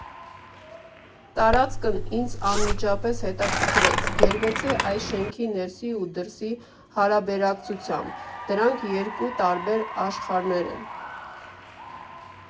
Տարածքն ինձ անմիջապես հետաքրքրեց։ Գերվեցի այս շենքի ներսի ու դրսի հարաբերակցությամբ՝ դրանք երկու տարբեր աշխարհներ են։